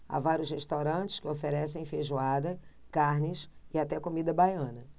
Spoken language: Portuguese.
há vários restaurantes que oferecem feijoada carnes e até comida baiana